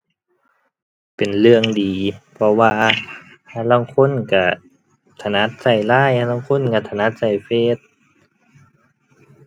เป็นเรื่องดีเพราะว่า ห่าลางคนก็ถนัดก็ LINE ห่าลางคนก็ถนัดก็เฟซ